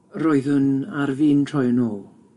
Roeddwn ar fin troi yn ôl